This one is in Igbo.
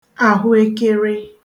àhụekere